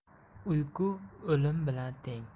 uyqu o'lim bilan teng